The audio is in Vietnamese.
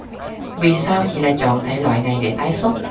vì sao chị lại chọn thể loại này để tái xuất